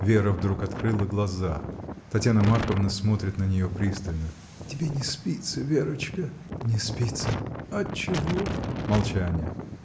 Вера вдруг открыла глаза: Татьяна Марковна смотрит на нее пристально. — Тебе не спится, Верочка? — Не спится. — Отчего? Молчание.